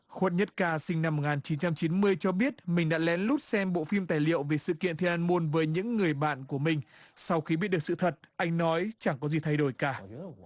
khuất nhất ca sinh năm một ngàn chín trăm chín mươi cho biết mình đã lén lút xem bộ phim tài liệu về sự kiện thiên an môn với những người bạn của mình sau khi biết được sự thật anh nói chẳng có gì thay đổi cả